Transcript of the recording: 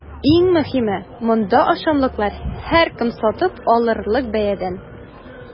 Иң мөһиме – монда ашамлыклар һәркем сатып алырлык бәядән!